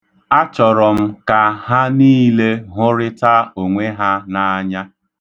Achọrọ m ka ha niile hụrịta onwe ha n'anya.